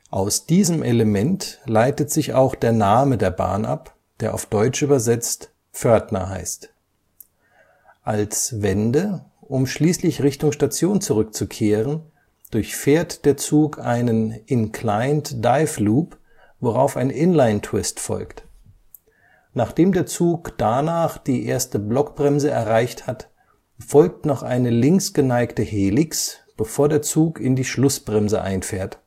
Aus diesem Element leitet sich auch der Name der Bahn ab, der auf Deutsch übersetzt Pförtner heißt. Als Wende, um schließlich Richtung Station zurückzukehren, durchfährt der Zug einen Inclined Dive-Loop, worauf ein Inline-Twist folgt. Nachdem der Zug danach die erste Blockbremse erreicht hat, folgt noch eine linksgeneigte Helix, bevor der Zug in die Schlussbremse einfährt